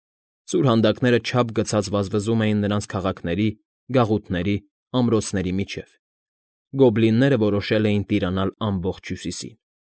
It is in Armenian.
Սուրհանդակները չափ գցած վազվզում էին նրանց քաղաքների, գաղութների, ամրոցների միջև. գոբլինները որոշել էին տիրանալ ամբողջ Հյուսիսին։